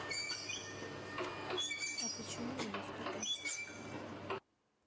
а почему недоступен